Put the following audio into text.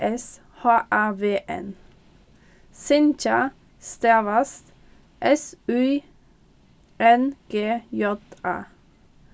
s h a v n syngja stavast s y n g j a